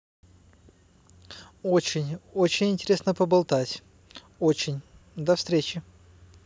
очень очень интересно поболтать очень до встречи